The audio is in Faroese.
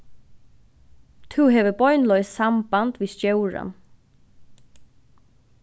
tú hevur beinleiðis samband við stjóran